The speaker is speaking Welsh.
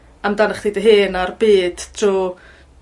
amdanch chdi dy hyn a'r byd trw